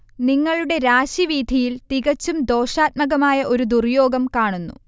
നിങ്ങളുടെ രാശിവീഥിയിൽ തികച്ചും ദോഷാത്മകമായ ഒരു ദുർയോഗം കാണുന്നു